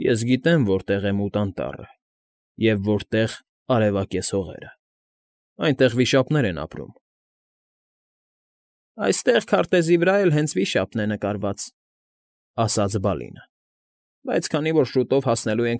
Ես գիտեմ որտեղ է Մութ Անտառը և որտեղ՝ Արևակեզ Հողերը. այնտեղ վիշապներն են ապրում։ ֊ Այստեղ քարտեզի վրա էլ հենց Վիշապն է նկարված,֊ ասաց Բալինը, ֊ բայց քանի որ շուտով հասնելու։